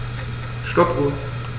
Stoppuhr.